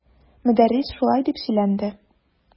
Мөдәррис шулай дип сөйләнде.